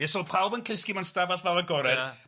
Ie, so pawb yn cysgu mewn stafall fawr agored... Ia